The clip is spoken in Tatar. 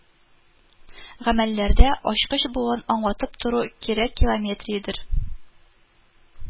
Гамәлләрдә ачкыч булуын аңлатып тору кирәкилометридер